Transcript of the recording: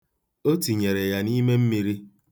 O tinyere ya n'ime mmiri.